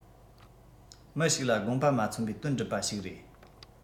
མི ཞིག ལ དགོངས པ མ ཚོམ པའི དོན བསྒྲུབ པ ཞིག རེད